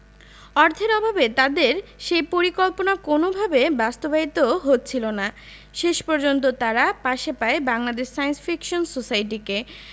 অর্থের অভাবে তাদের সেই পরিকল্পনা কোনওভাবেই বাস্তবায়িত হচ্ছিল না শেষ পর্যন্ত তারা পাশে পায় বাংলাদেশ সায়েন্স ফিকশন সোসাইটিকে